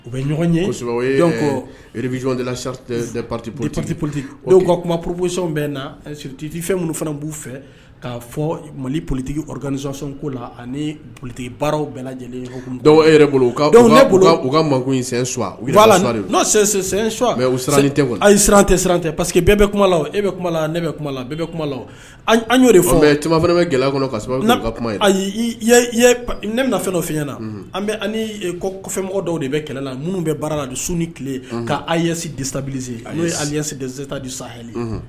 U bɛ ɲɔgɔnbiɔnti polite ka kuma ppsɔn bɛ natiti fɛn minnu fana bu fɛ k ka fɔ mali politigi ko la ani politigi baaraw bɛɛ lajɛlen dɔw e yɛrɛ bolo ne u ka in n' siran tɛ a ye siran tɛ siran tɛ pa que bɛ kuma e bɛ kuma kuma bɛ kuma an'omɛ gɛlɛya kɔnɔ kuma ayi bɛna fɛn o fɛn na anmɔgɔ dɔw de bɛ kɛlɛla minnu bɛ baara la don sun ni tile k' ɲɛsin disabisi a n' ɲɛ desita di sa